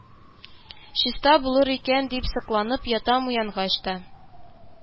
Чиста булыр икән, дип сокланып ятам уянгач та